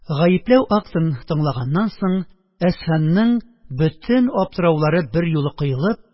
Гаепләү актын тыңлаганнан соң, Әсфанның бөтен аптыраулары берьюлы коелып